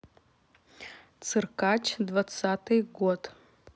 циркач двадцатый год